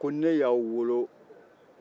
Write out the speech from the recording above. a ko ne y'aw wolo